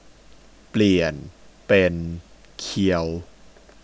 เปลี่ยนเป็นเคียว